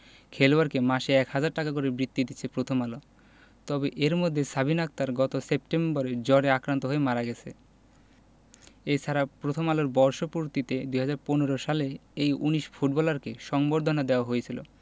খেলোয়াড়কে মাসে ১ হাজার টাকা করে বৃত্তি দিচ্ছে প্রথম আলো তবে এর মধ্যে সাবিনা আক্তার গত সেপ্টেম্বরে জ্বরে আক্রান্ত হয়ে মারা গেছে এ ছাড়া প্রথম আলোর বর্ষপূর্তিতে ২০১৫ সালে এই ১৯ ফুটবলারকে সংবর্ধনা দেওয়া হয়েছিল